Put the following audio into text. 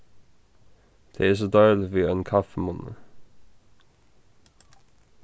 tað er so deiligt við einum kaffimunni